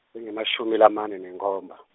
lingemashumi lamane nenkhomba.